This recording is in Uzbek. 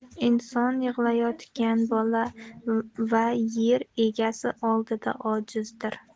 inson yig'layotgan bola va yer egasi oldida ojizdir